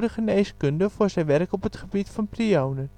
geneeskunde voor zijn werk op het gebied van prionen